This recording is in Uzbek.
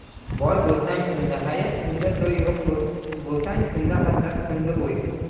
boy bo'lsang kunda hayit kunda to'y yo'q bo'lsang kunda hasrat kunda o'y